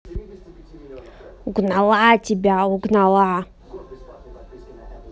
угнала тебя угнала